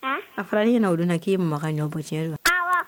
A fara ne ɲɛna o don na k'i ye maman ka ɲɔ bɔn. Tiɲɛ don wa? Awɔ